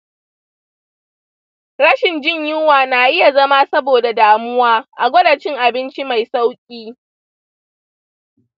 rashin jin yunwa na iya zama saboda damuwa; a gwada cin abinci mai sauƙi.